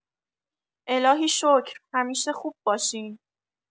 الهی شکر همیشه خوب باشین